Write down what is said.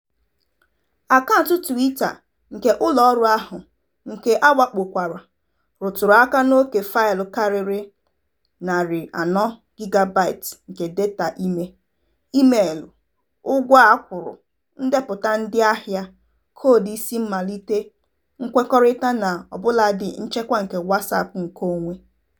Akaụntụ Twitter nke ụlọọrụ ahụ, nke a wakpokwara, rụtụrụ aka n'oke faịlụ karịrị 400 gigabytes nke data ime: imeelụ, ụgwọ a kwụrụ, ndepụta ndịahịa, koodu isi mmalite, nkwekọrịta na ọbụladị nchekwa nke WhatsApp nkeonwe.